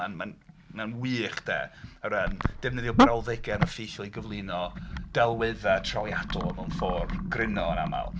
Mae... mae... mae'n wych 'de. O ran, defnyddio brawddegau yn effeithiol i gyflwyno delweddau trawiadol mewn ffordd gryno yn aml.